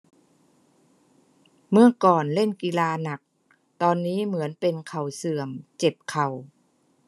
เมื่อก่อนเล่นกีฬาหนักตอนนี้เหมือนเป็นเข่าเสื่อมเจ็บเข่า